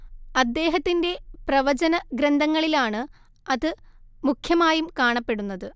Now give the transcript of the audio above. അദ്ദേഹത്തിന്റെ പ്രവചനഗ്രന്ഥങ്ങളിലാണ് അത് മുഖ്യമായും കാണപ്പെടുന്നത്